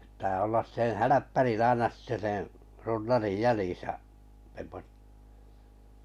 pitää olla sen hälppärin aina sitten sen runnarin jäljissä -